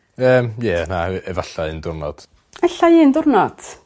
Yym ie na e efallai un diwrnod. Ellai un diwrnod.